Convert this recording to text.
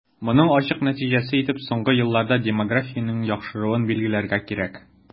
Моның ачык нәтиҗәсе итеп соңгы елларда демографиянең яхшыруын билгеләргә кирәк.